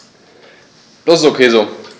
Das ist ok so.